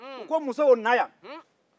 u ko muso o na ya